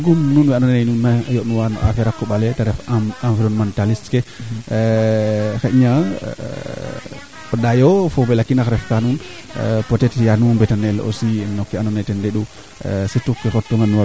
to comme areer ne a reend a meen a jeg'a kee te xaƴ na mee a gara ngaa kaa jefandi kooran kaaga moƴ'uno waraa ndaa o buga nga fiyan ngaaf toujours toujours to yoqe warna teen fop kaaga kaa pauvre na o qol kaa ɗegaa o qol a refa nge a piifin